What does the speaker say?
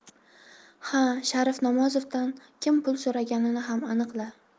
ha sharif namozovdan kim pul so'raganini ham aniqla